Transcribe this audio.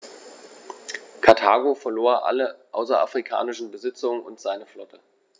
Karthago verlor alle außerafrikanischen Besitzungen und seine Flotte.